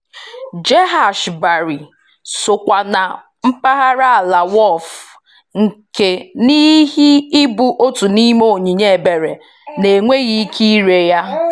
Jahaj Bari sokwa na mpaghara ala Waqf (mortmain) nke, n'ihi ịbụ otu n'ime onyinye ebere, na e nweghị ike ire ya.